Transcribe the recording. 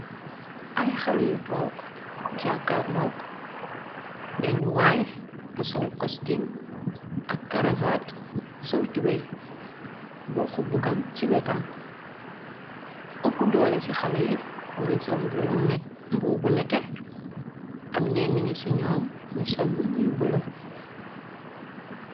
Ay xalèh yu tóóg jakarlu k benna way bu sol kostin ak karavad sol tubay boxu bukam ci wettam opuh dooli ci xalèh yi ñi ñgi sol mbubu mu netteh ak ñenen ci ñom sol mbubu bu bula.